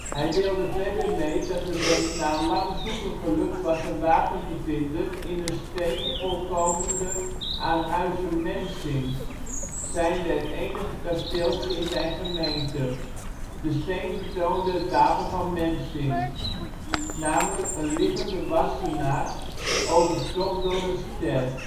Hij deelde verder mee, dat het hem na lang zoeken gelukt was een wapen te vinden in een steen voorkomende “aan huize Mensingh” zijnde het enige kasteeltje in zijn gemeente. De steen vertoonde het wapen “Mensingh” namelijk een liggende wassenaar, overtopt door een ster